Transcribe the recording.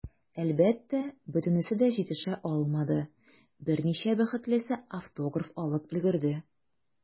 Әлбәттә, бөтенесе дә җитешә алмады, берничә бәхетлесе автограф алып өлгерде.